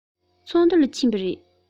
ཚོགས འདུ ལ ཕྱིན པ རེད